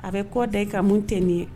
A bɛ ko da i ka mun tɛ nin ye.